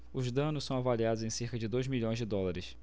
os danos são avaliados em cerca de dois milhões de dólares